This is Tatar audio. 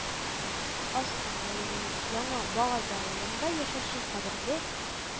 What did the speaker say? Аскын районының Яңа Багазы авылында яшәүче кадерле